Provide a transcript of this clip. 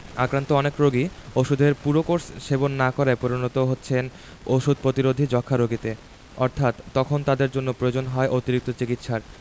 আক্রান্ত অনেক রোগী ওষুধের পুরো কোর্স সেবন না করায় পরিণত হচ্ছেন ওষুধ প্রতিরোধী যক্ষ্মা রোগীতে অর্থাৎ তখন তাদের জন্য প্রয়োজন হয় অতিরিক্ত চিকিৎসার